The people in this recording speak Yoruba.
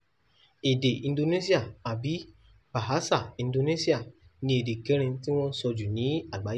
Èdè Indonesia – àbí Bahasa Indonesia – ni èdè kẹrin tí wọ́n ń sọ jùlọ ní àgbáyé.